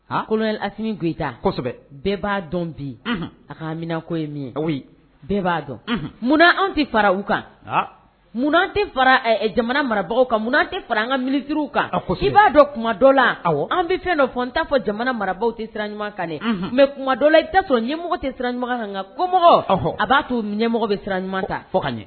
Kolonlas gta bɛɛ b'a dɔn bi a ka minɛko ye min bɛɛ b'a dɔn munna anw tɛ fara u kan munnaan tɛ jamana marabagaw kan munnaan tɛ fara an ka mini u kan a ko i b'a dɔn kuma dɔ la an bɛ fɛn dɔ fɔ n'a fɔ jamana marakaw tɛ sira ɲuman kan ne n mɛ kuma dɔ la i'a sɔrɔ ɲɛmɔgɔ tɛ siran ɲuman kan kan ko mɔgɔw a b'a to ɲɛmɔgɔ bɛ sira ɲuman ta fo ka